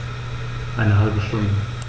Eine halbe Stunde